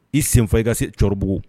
I sen fɔ i ka se cɛkɔrɔbabugu